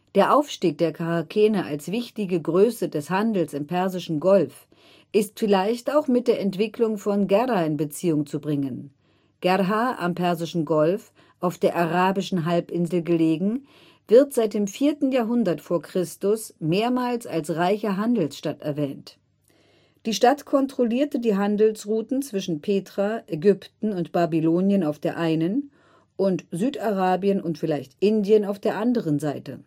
Der Aufstieg der Charakene als wichtiger Größe des Handels im Persischen Golf ist vielleicht auch mit der Entwicklung von Gerrha in Beziehung zu bringen. Gerrha, am Persischen Golf, auf der Arabischen Halbinsel gelegen, wird seit dem 4. Jahrhundert v. Chr. mehrmals als reiche Handelsstadt erwähnt. Die Stadt kontrollierte die Handelsrouten zwischen Petra, Ägypten und Babylonien auf der einen, und Südarabien und vielleicht Indien auf der anderen Seite